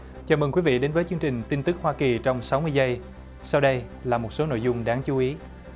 chào mừng quý vị đến với chương trình tin tức hoa kỳ trong sáu mươi giây sau đây là một số nội dung đáng chú ý